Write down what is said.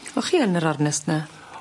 O'ch chi yn yr ornest 'ny?